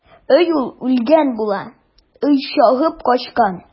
Йә ул үлгән була, йә чыгып качкан.